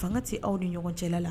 Fanga tɛ aw ni ɲɔgɔn cɛla la